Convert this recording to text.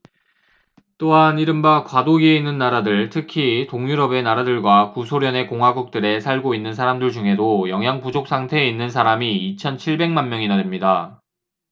또한 이른바 과도기에 있는 나라들 특히 동유럽의 나라들과 구소련의 공화국들에 살고 있는 사람들 중에도 영양 부족 상태에 있는 사람이 이천 칠백 만 명이나 됩니다